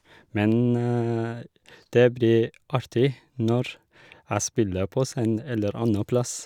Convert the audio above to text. Men det blir artig når jeg spiller på scenen eller anna plass.